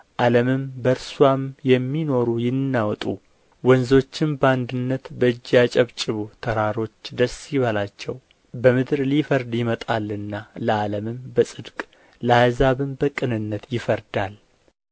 ዓለምም በእርስዋም የሚኖሩ ይናወጡ ወንዞችም በአንድነት በእጅ ያጨብጭቡ ተራሮች ደስ ይበላቸው በምድር ሊፈርድ ይመጣልና ለዓለምም በጽድቅ ለአሕዛብም በቅንነት ይፈርዳል